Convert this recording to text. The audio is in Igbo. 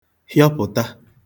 hịọpụta